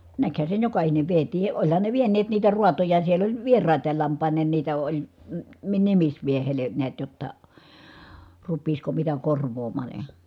näkihän sen jokainen vietiin olihan ne vieneet niitä raatoja siellä oli vieraita lampaineen niitä oli -- nimismiehelle näet jotta rupeaisiko mitä korvaamaan ja